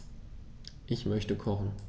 Ich möchte kochen.